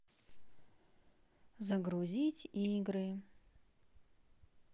загрузить игры